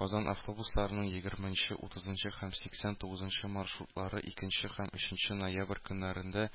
Казан автобусларының егерменче, утызынчы һәм сиксән тугызынчы маршрутлары икенче һәм өченче ноябрь көннәрендә